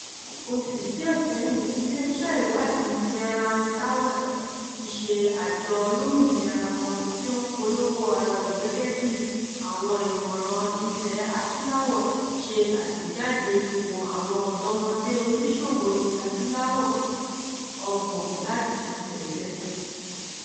Oṣù díẹ̀ sẹ́yìn, ilé iṣẹ́ ìwádìí Terangaweb, tíí ṣe àjọ olómìnira kan tí ó ń polówó ara rẹ̀ gẹ́gẹ́ bíi "Àwọn Ìmọ̀ràn Ilẹ̀ Adúláwò", ṣe àtẹ̀jáde ipò àwọn ọ̀dọ́mọdẹ́ oníṣòwò Ilẹ̀ Adúláwò 30 láti tẹ́lẹ̀.